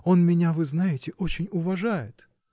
Он меня, вы знаете, очень уважает.